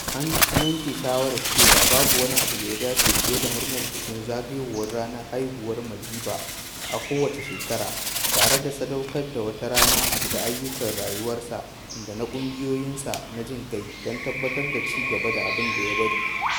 An yanke shawarar cewa babu wani abu da ya dace fiye da murnar bikin zagayowar ranar haihuwar Madiba a kowacce shekara, tare da sadaukar da wata rana ga ayyukan rayuwarsa da na ƙungiyoyinsa na jin ƙai, don tabbatar da ci gaba da abinda ya bari.